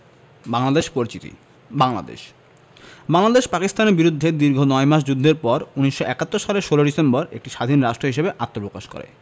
বাংলাদেশ পরিচিতি বাংলাদেশ বাংলাদেশ পাকিস্তানের বিরুদ্ধে দীর্ঘ নয় মাস যুদ্ধের পর ১৯৭১ সালের ১৬ ডিসেম্বর একটি স্বাধীন রাষ্ট্র হিসেবে আত্মপ্রকাশ করে